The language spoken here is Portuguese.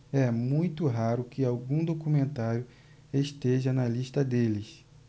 é muito raro que algum documentário esteja na lista deles